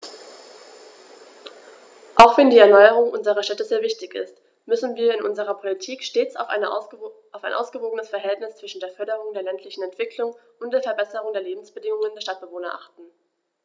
Auch wenn die Erneuerung unserer Städte sehr wichtig ist, müssen wir in unserer Politik stets auf ein ausgewogenes Verhältnis zwischen der Förderung der ländlichen Entwicklung und der Verbesserung der Lebensbedingungen der Stadtbewohner achten.